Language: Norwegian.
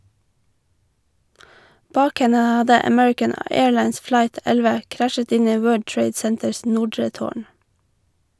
Bak henne hadde American Airlines Flight 11 krasjet inn i World Trade Centers nordre tårn.